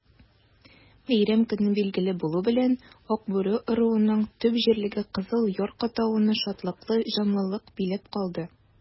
Бәйрәм көне билгеле булу белән, Акбүре ыруының төп җирлеге Кызыл Яр-катауны шатлыклы җанлылык биләп алды.